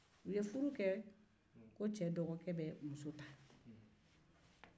u ye muso di cɛ dɔgɔkɛ ma